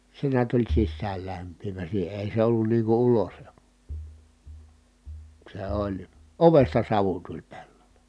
se näet oli sisäänlämpiävä siihen ei se ollut niin kuin - se oli ovesta savu tuli pellolle